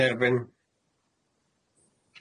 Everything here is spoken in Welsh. Yn erbyn.